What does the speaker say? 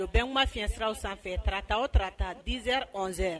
O bɛ kuma fi fiɲɛsiraraw sanfɛ tata o tata dz sɛne